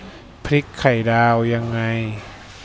พลิกไข่ดาวยังไง